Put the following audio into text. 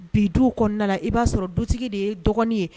Bi duw kɔnɔna na i b'a sɔrɔ dutigi de ye dɔgɔnin ye